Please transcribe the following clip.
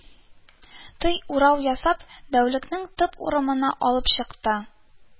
Тый урау ясап, дәүләкәннең төп урамына алып чыкты